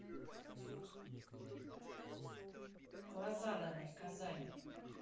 глаза давай казань